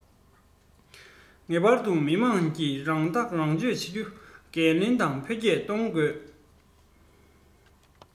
ངེས པར དུ མི དམངས ཀྱིས རང ཐག རང གཅོད བྱ རྒྱུ འགན ལེན དང འཕེལ རྒྱས གཏོང དགོས